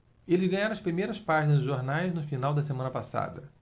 eles ganharam as primeiras páginas dos jornais do final da semana passada